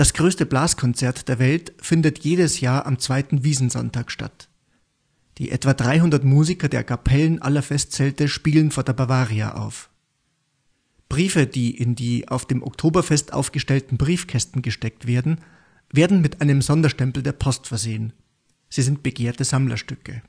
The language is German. größte Blaskonzert der Welt findet jedes Jahr am zweiten Wiesnsonntag statt. Die etwa 300 Musiker der Kapellen aller Festzelte spielen vor der Bavaria auf. Briefe, die in die auf dem Oktoberfest aufgestellten Briefkästen gesteckt werden, werden mit einem Sonderstempel der Post versehen. Sie sind begehrte Sammlerstücke